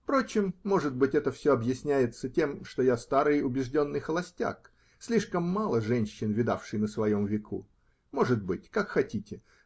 Впрочем, может быть, это все объясняется тем, что я старый, убежденный холостяк, слишком мало женщин видавший на своем веку. Может быть. Как хотите.